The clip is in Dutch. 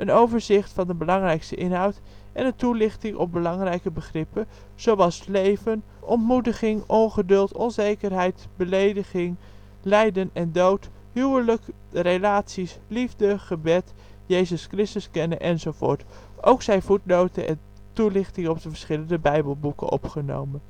overzicht van de belangrijkste inhoud en een toelichting op belangrijke begrippen zoals: leven, ontmoediging, ongeduld, onzekerheid, belediging, lijden en dood, huwelijk, relaties, liefde, gebed, Jezus Christus kennen, enzovoort. Ook zijn voetnoten en toelichtingen op de verschillende bijbelboeken opgenomen